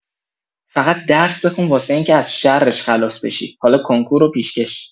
فقط درس بخون واسه اینکه از شرش خلاص بشی، حالا کنکور رو پیشکش.